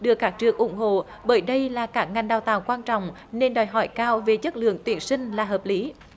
được các trường ủng hộ bởi đây là cả ngành đào tạo quan trọng nên đòi hỏi cao về chất lượng tuyển sinh là hợp lý